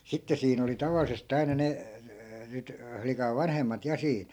sitten siinä oli tavallisesti aina ne nyt flikan vanhemmat ja siinä